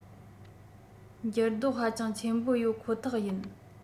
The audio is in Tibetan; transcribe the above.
འགྱུར ལྡོག ཧ ཅང ཆེན པོ ཡོད ཁོ ཐག ཡིན